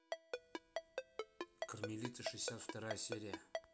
кармелита шестьдесят вторая серия